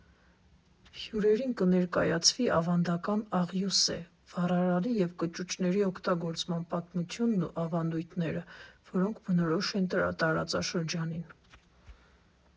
Հյուրերին կներկայացվի ավանդական աղյուսե վառարանի և կճուճների օգտագործման պատմությունն ու ավանդույթները, որոնք բնորոշ են տարածաշրջանին։